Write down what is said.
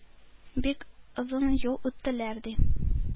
Бик озын юл үттеләр, ди,